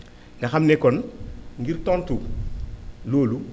nga xam ne kon ngir tontu loolu